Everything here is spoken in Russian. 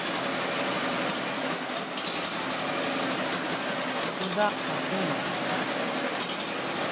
куда акула